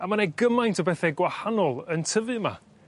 A ma' 'ne gymaint o bethe gwahanol yn tyfu 'ma.